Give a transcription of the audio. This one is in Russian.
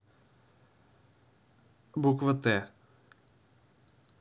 буква т